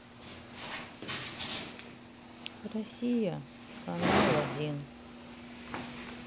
россия канал один